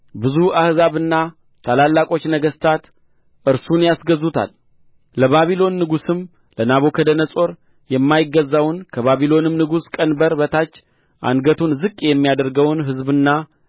ብዙ አሕዛብና ታላላቆች ነገሥታት እርሱን ያስገዙታል ለባቢሎን ንጉሥም ለናቡከደነፆር የማይገዛውን ከባቢሎንም ንጉሥ ቀንበር በታች አንገቱን ዝቅ የማያደርገውን ሕዝብና